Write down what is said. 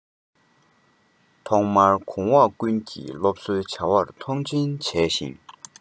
ཐོག མར གོང འོག ཀུན གྱིས སློབ གསོའི བྱ བར མཐོང ཆེན བྱས ཤིང